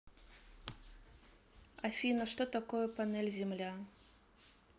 афина что такое панель земля